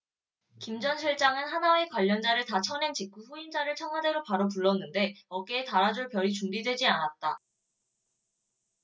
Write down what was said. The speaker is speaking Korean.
김 전 실장은 하나회 관련자를 다 쳐낸 직후 후임자를 청와대로 바로 불렀는데 어깨에 달아줄 별이 준비되지 않았다